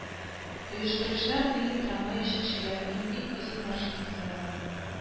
Оештыручылар милли трамвай өчен Чиләбенең иң озын маршрутын сайлаган